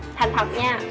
thành thật nha